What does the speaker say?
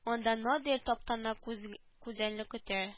Анда надир таптана куз күзәлне көтә